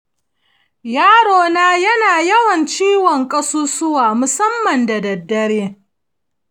yarona yana yawan ciwon ƙasusuwa musamman da daddare.